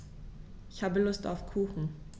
Ich habe Lust auf Kuchen.